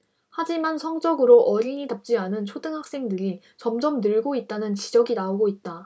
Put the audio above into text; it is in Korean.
하지만 성적으로 어린이 답지 않은 초등학생들이 점점 늘고 있다는 지적이 나오고 있다